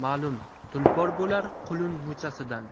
ma'lum tulpor bo'lar qulun muchasidan